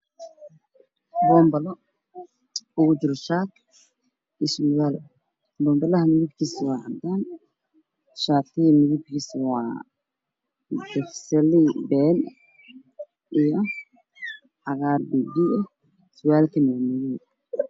Waa banbano waxaa furan shati lidadkiisa yahay buluug haddaan qaxooy boom baraha midabkiisa waa cadaan derbigu waa cadaan